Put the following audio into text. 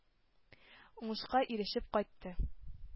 Уңышка ирешеп кайтты.